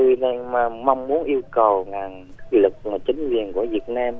mà mong muốn yêu cầu là nhân lực là chính quyền của việt nam